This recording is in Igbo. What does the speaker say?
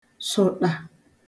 sòṭà